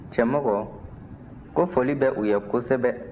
cɛmɔgɔ ko foli bɛ u ye kosɛbɛ